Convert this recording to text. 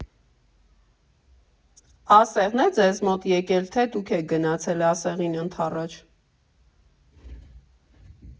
Ասե՞ղն է ձեզ մոտ եկել, թե՞ դուք եք գնացել ասեղին ընդառաջ։